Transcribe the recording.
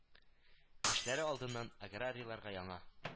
Эшләре алдыннан аграрийларга яңа